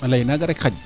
o ley naaga rek xaƴ